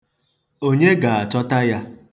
Onye ga-achọta ya?